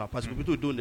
Parce que bɛ' don de la